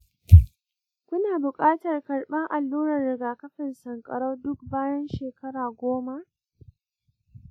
kuna buƙatar karɓar allurar rigakafin sankarau duk bayan shekara goma.